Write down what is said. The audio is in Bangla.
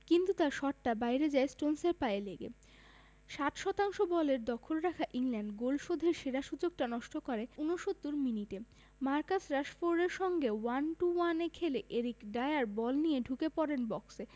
কিন্তু তাঁর শটটা বাইরে যায় স্টোনসের পায়ে লেগে ৬০ শতাংশ বলের দখল রাখা ইংল্যান্ড গোল শোধের সেরা সুযোগটা নষ্ট করে ৬৯ মিনিটে মার্কাস রাশফোর্ডের সঙ্গে ওয়ান টু ওয়ানে খেলে এরিক ডায়ার বল নিয়ে ঢুকে পড়েন বক্সে